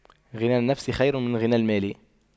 غنى النفس خير من غنى المال